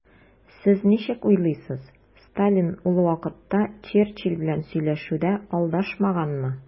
Сез ничек уйлыйсыз, Сталин ул вакытта Черчилль белән сөйләшүдә алдашмаганмы?